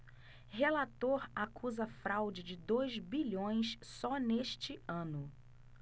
relator acusa fraude de dois bilhões só neste ano